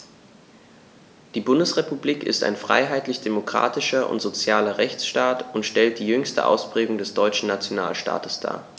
Die Bundesrepublik ist ein freiheitlich-demokratischer und sozialer Rechtsstaat und stellt die jüngste Ausprägung des deutschen Nationalstaates dar.